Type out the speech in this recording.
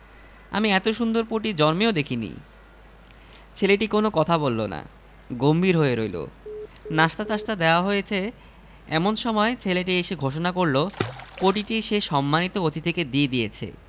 আমি এত সুন্দর পটি জন্মেও দেখিনি ছেলেটি কোন কথা বলল না গম্ভীর হয়ে রইল নশিতাটাসতা দেয়া হয়েছে এমন সময় ছেলেটি এসে ঘোষণা করল পটিটি সে সম্মানিত অতিথিকে দিয়ে দিয়েছে